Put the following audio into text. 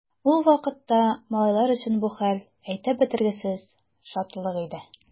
Ул вакытта малайлар өчен бу хәл әйтеп бетергесез шатлык иде.